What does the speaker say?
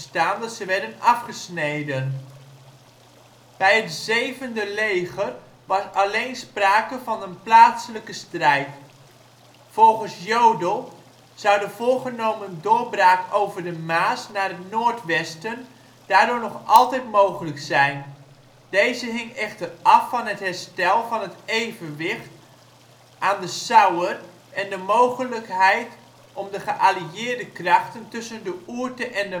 dat ze werden afgesneden. Bij het 7e leger was alleen sprake van een plaatselijke strijd. Volgens Jodl zou de voorgenomen doorbraak over de Maas naar het noordwesten daardoor nog altijd mogelijk zijn. Deze hing echter af van het herstel van het evenwicht aan de Sauer en de mogelijkheid om de geallieerde krachten tussen de Ourthe en